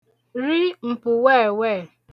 ri ǹpùwẹẹ̀wẹ